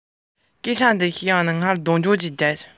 སྐད ངན རྒྱག རྒྱུ ག རེ ཡོད དམ